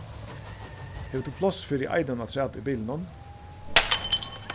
hevur tú pláss fyri einum aftrat í bilinum